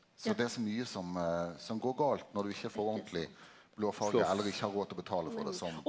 så det er så mykje som som går galt når du ikkje får ordentleg blåfarge eller ikkje har råd til å betale for det sånn.